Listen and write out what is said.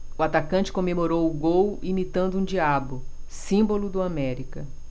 o atacante comemorou o gol imitando um diabo símbolo do américa